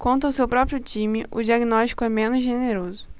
quanto ao seu próprio time o diagnóstico é menos generoso